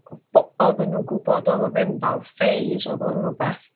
w- bo- odden nw'n gwbod odd o ddim fel phase odd o'n rwbeth